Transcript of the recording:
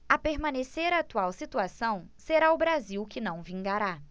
a permanecer a atual situação será o brasil que não vingará